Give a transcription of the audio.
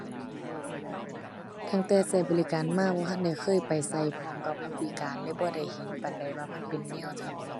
ตั้งแต่ใช้บริการมา บ่ทันได้เคยไปใช้พร้อมกับผู้พิการเลยบ่ได้เห็นปานใด ว่ามันเป็นแนวจั่งใด